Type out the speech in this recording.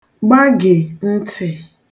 gbagè ntị̀